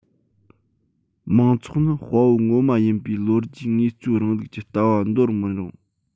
མང ཚོགས ནི དཔའ བོ ངོ མ ཡིན པའི ལོ རྒྱུས དངོས གཙོའི རིང ལུགས ཀྱི ལྟ བ འདོར མི རུང